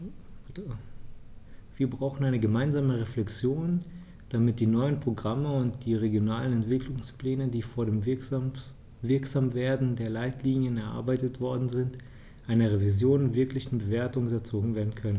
Wir brauchen eine gemeinsame Reflexion, damit die neuen Programme und die regionalen Entwicklungspläne, die vor dem Wirksamwerden der Leitlinien erarbeitet worden sind, einer Revision und wirklichen Bewertung unterzogen werden können.